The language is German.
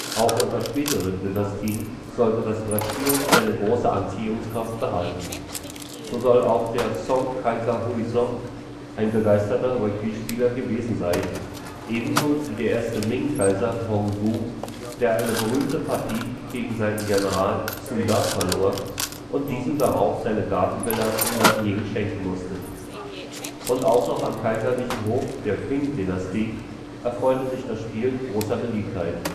Auch unter späteren Dynastien sollte das Brettspiel seine große Anziehungskraft behalten. So soll auch der Song-Kaiser Huizong ein begeisterter Weiqi-Spieler gewesen sein, ebenso wie der erste Ming-Kaiser Hongwu, der eine berühmte Partie gegen seinen General Xu Da verlor und diesem daraufhin seine Gartenvilla in Nanjing schenken musste. Und auch noch am kaiserlichen Hof der Qing-Dynastie erfreute sich das Spiel großer Beliebtheit